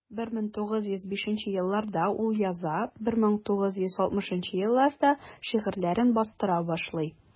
1950 елларда ул яза, 1960 елларда шигырьләрен бастыра башлый.